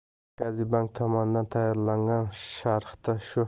markaziy bank tomonidan tayyorlangan sharhda shu